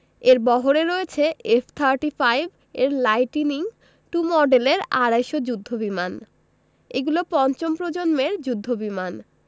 এর বহরে রয়েছে এফ থার্টি ফাইভ এর লাইটিনিং টু মডেলের আড়াই শ যুদ্ধবিমান এগুলো পঞ্চম প্রজন্মের যুদ্ধবিমান